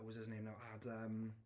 What was his name now - Adam?